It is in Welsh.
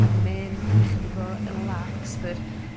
Ag m' 'yn ma' 'na chydig o y larkspur